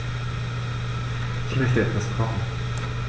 Ich möchte etwas kochen.